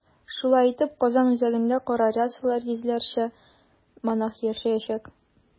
Шулай итеп, Казан үзәгендә кара рясалы йөзләрчә монах яшәячәк.